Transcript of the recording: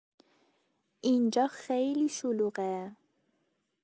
اینجا خیلی شلوغه!